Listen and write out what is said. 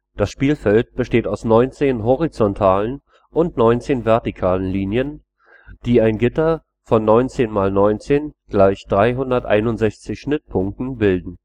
Das Spielfeld besteht aus 19 horizontalen und 19 vertikalen Linien, die ein Gitter von 19×19 = 361 Schnittpunkten bilden